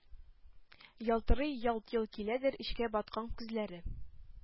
Ялтырый, ялт-йолт киләдер эчкә баткан күзләре,